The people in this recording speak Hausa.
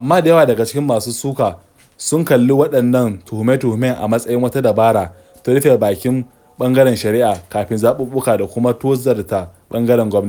Amma da yawa daga cikin masu suka sun kalli waɗannan tuhume-tuhumen a matsayin wata dabara ta rufe bakin ɓangaren shari'a kafin zaɓuɓɓukan da kuma tsorata ɓangaren gwamnati.